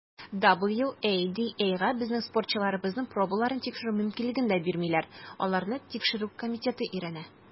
WADAга безнең спортчыларыбызның пробаларын тикшерү мөмкинлеген дә бирмиләр - аларны Тикшерү комитеты өйрәнә.